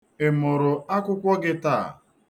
Ị mụrụ akwụkwọ gị taa?